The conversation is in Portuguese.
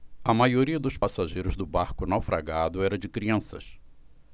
a maioria dos passageiros do barco naufragado era de crianças